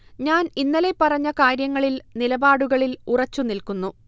ഞാൻ ഇന്നലെ പറഞ്ഞ കാര്യങ്ങളിൽ, നിലപാടുകളിൽ ഉറച്ചു നില്കുന്നു